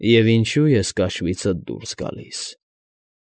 Եվ ինչո՞ւ ես կաշվիցդ դուրս գալիս։